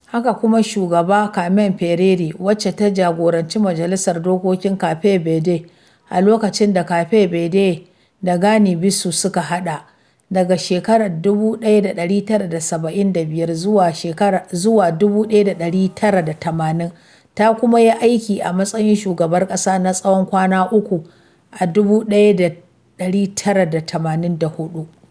Haka kuma, shugaba Carmen Pereira, wacce ta jagoranci majalisar dokokin Cape Verde (a lokacin da Cape Verde da Guinea-Bissau suka haɗe) daga 1975 zuwa 1980, ta kuma yi aiki a matsayin shugabar ƙasa na tsawon kwana uku a 1984.